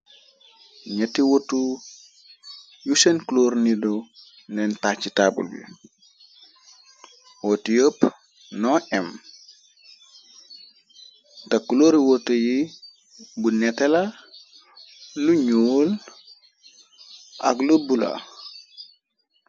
Nyate wotu yu seen kuloor niru len tàj ci taabul bi wotu yepp nu em teh kulóore wotu yi bu neteh la lu ñuul ak lo bula.